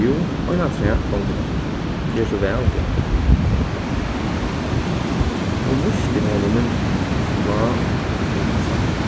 jú ein afturat gongur nokk ger so væl góði segði omman hon vísti honum myndina sum lá í í kassanum